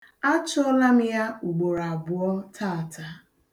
A chọọla m ya ugboroabụọ taata.